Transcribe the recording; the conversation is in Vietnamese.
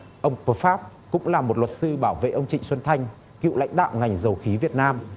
ông bờ pháp cũng là một luật sư bảo vệ ông trịnh xuân thanh cựu lãnh đạo ngành dầu khí việt nam